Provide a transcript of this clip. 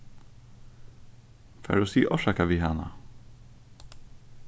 far og sig orsaka við hana